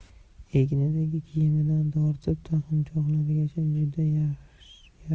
egnidagi kiyimidan tortib taqinchoqlarigacha juda